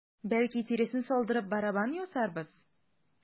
Бәлки, тиресен салдырып, барабан ясарбыз?